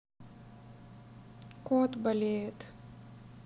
кот болеет